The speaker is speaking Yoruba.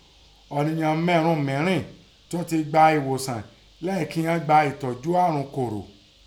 Ọ̀nìyàn mẹ́ẹ̀rùn ún mìírìn tún ti gba èwòsàn lêyìn kí ghọ́n gba ẹ̀tọ́ju ún àrùn kòró.